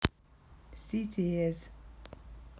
cities